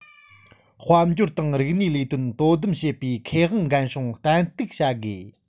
དཔལ འབྱོར དང རིག གནས ལས དོན དོ དམ བྱེད པའི ཁེ དབང འགན སྲུང ཏན ཏིག བྱ དགོས